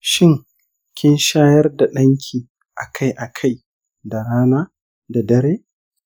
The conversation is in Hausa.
shin kin shayar da ɗan ki akai-akai da rana da dare?